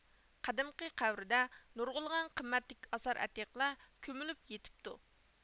قەدىمكى قەبرىدە نۇرغۇنلىغان قىممەتلىك ئاسارئەتىقىلەر كۆمۈلۈپ يېتىپتۇ